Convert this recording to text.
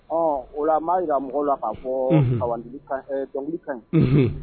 Ɔ o maa jira mɔgɔw la kaa fɔ dɔnkili kan ɲi